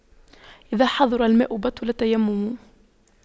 إذا حضر الماء بطل التيمم